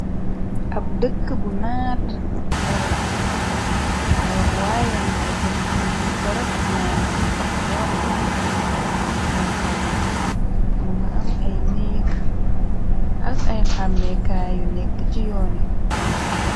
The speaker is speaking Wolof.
Ab dëkk bu naat tarafat waru waaye ngay dem dikk garab yanga wert seen koba mu nga am ak ay xàmekaayu nekk ci yoone.